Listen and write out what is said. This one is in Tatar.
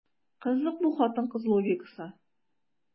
Кызык бу хатын-кыз логикасы.